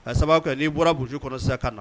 Ka sababu n'i bɔra bo kɔnɔ sa ka na